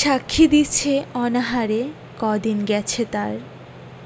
সাক্ষী দিছে অনাহারে কদিন গেছে তার